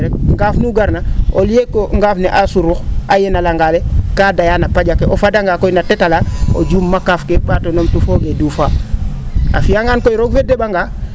ngaaf nu garna au lieu que ngaaf ne a surux a yena la? ale ka daya na pa? ake o fada nga koy na tet alaa o juum ma kaaf ke mbaat o numtu foog ee duufa a fiyangaan koy roog fe de?anga